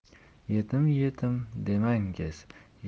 yetim etim demangiz